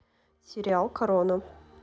сериал корона